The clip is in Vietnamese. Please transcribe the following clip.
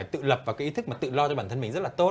tự lập và ý thức tự lo cho bản thân mình rất là tốt